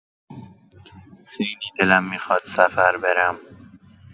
خیلی دلم می‌خواد سفر برم